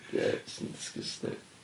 Ie, sy'n disgusting.